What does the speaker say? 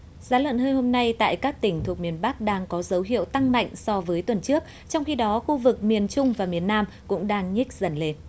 giá lợn hơi hôm nay tại các tỉnh thuộc miền bắc đang có dấu hiệu tăng mạnh so với tuần trước trong khi đó khu vực miền trung và miền nam cũng đang nhích dần lên